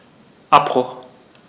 Abbruch.